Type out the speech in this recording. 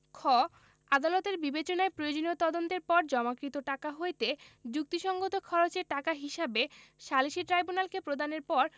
খ আদালতের বিবেচনায় প্রয়োজনীয় তদন্তের পর জমাকৃত টাকা হইতে যুক্তিসংগত খরচের টাকা হিসাবে সালিসী ট্রাইব্যুনালকে প্রদানের পর